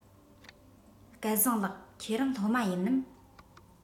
སྐལ བཟང ལགས ཁྱེད རང སློབ མ ཡིན ནམ